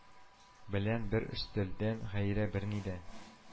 Белән бер өстәлдән гайре берни дә